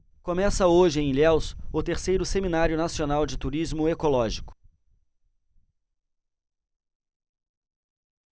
começa hoje em ilhéus o terceiro seminário nacional de turismo ecológico